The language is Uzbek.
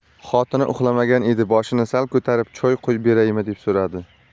xotini uxlamagan edi boshini sal ko'tarib choy qo'yib beraymi deb so'radi